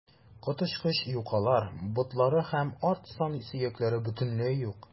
Коточкыч юкалар, ботлары һәм арт сан сөякләре бөтенләй юк.